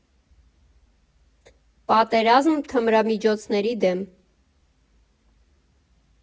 Պատերազմ թմրամիջոցների դեմ։